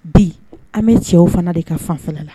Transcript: Bi an bɛ cɛw fana de ka fanfɛ la